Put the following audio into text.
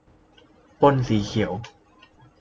ปล้นสีเขียว